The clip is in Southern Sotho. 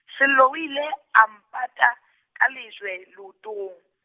Sello o ile, a mpata ka lejwe leotong.